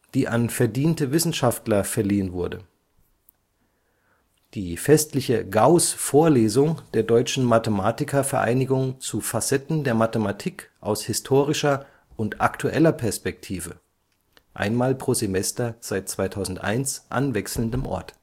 die an verdiente Wissenschaftler verliehen wurde die festliche Gauß-Vorlesung der Deutschen Mathematiker-Vereinigung zu Facetten der Mathematik aus historischer und aktueller Perspektive (einmal pro Semester seit 2001 an wechselndem Ort